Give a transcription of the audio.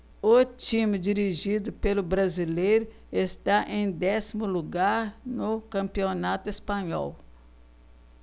o time dirigido pelo brasileiro está em décimo lugar no campeonato espanhol